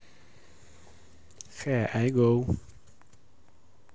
here i go